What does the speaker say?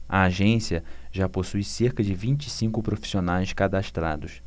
a agência já possui cerca de vinte e cinco profissionais cadastrados